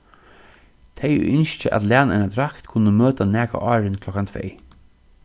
tey ið ynskja at læna eina drakt kunnu møta nakað áðrenn klokkan tvey